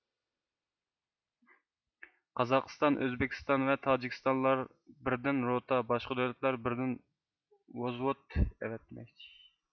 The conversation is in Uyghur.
قازاقىستان ئۆزبېكىستان ۋە تاجىكىستانلار بىردىن روتا باشقا دۆلەتلەر بىردىن ۋوزۋوت ئەۋەتمەكچى